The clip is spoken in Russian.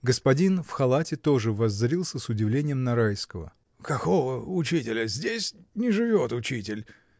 Господин в халате тоже воззрился с удивлением на Райского. — Какого учителя? Здесь не живет учитель.